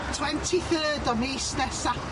Twenty third o mis nesa.